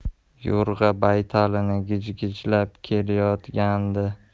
yo'rg'a baytalini gijinglatib kelayotgandi